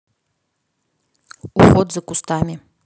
уход за кустами